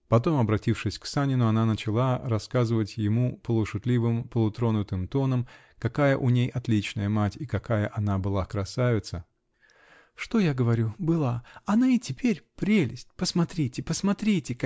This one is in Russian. Потом, обратившись к Санину, она начала рассказывать ему полушутливым, полутронутым тоном, какая у ней отличная мать и какая она была красавица! "Что я говорю: была! она и теперь -- прелесть. Посмотрите, посмотрите